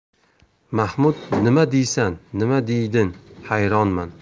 mahmud nima deysan nima deyin hayronman